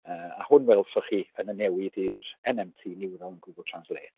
yy a hwn welsoch chi yn y newid i'r NMT niwral yn Google Translate.